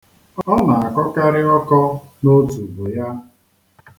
Ọ na-akọkarị ọkọ n'otubo ya.